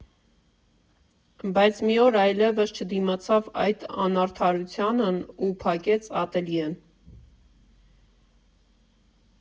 Բայց մի օր այլևս չդիմացավ այդ անարդարությանն ու փակեց ատելյեն»։